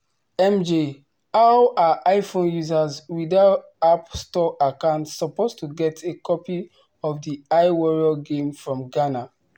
MJ: How are iPhone users without App Store accounts supposed to get a copy of the iWarrior Game from Ghana?